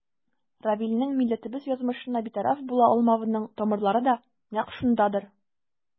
Равилнең милләтебез язмышына битараф була алмавының тамырлары да нәкъ шундадыр.